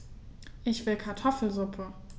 Ich will Kartoffelsuppe.